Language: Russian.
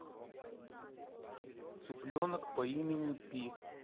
цыпленок пи по имени пи